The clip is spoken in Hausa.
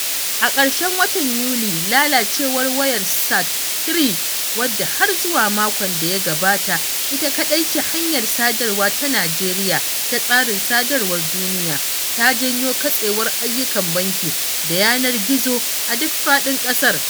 A ƙarshen watan Yuli, lalacewar wayar SAT-3 — wadda har zuwa makon da ya gabata ita kaɗai ce hanyar sadarwa ta Najeriya da tsarin sadarwar duniya — ta janyo katsewar ayyukan banki da yanar gizo a duk faɗin ƙasar.